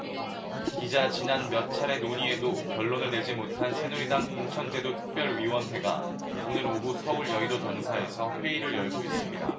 기자 지난 몇 차례 논의에도 결론을 내지 못한 새누리당 공천제도특별위원회가 오늘 오후 서울 여의도 당사에서 회의를 열고 있습니다